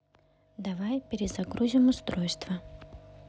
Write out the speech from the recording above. давай перезагрузим устройство